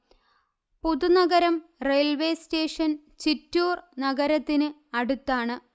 Puthunagaram railway station Chittur നഗരത്തിന് അടുത്താണ്